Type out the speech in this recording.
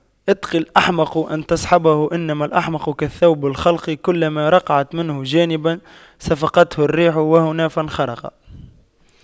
اتق الأحمق أن تصحبه إنما الأحمق كالثوب الخلق كلما رقعت منه جانبا صفقته الريح وهنا فانخرق